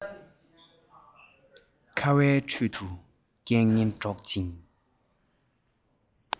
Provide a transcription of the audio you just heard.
ཁ བའི ཁྲོད དུ སྐད ངན སྒྲོག ཅིང